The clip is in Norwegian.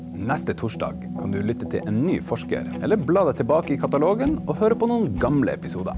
neste torsdag kan du lytte til en ny forsker eller bla deg tilbake i katalogen og høre på noen gamle episoder.